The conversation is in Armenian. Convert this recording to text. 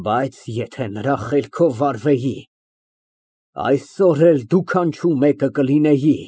Բայց եթե նրա խելքով վարվեի, այսօր էլ դուքանչու մեկը կլինեի։